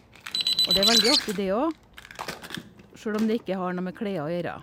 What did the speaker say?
Og det er veldig artig det óg, sjøl om det ikke har noe med klær å gjøre.